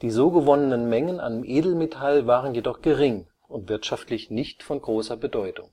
so gewonnenen Mengen an Edelmetall waren jedoch gering und wirtschaftlich nicht von großer Bedeutung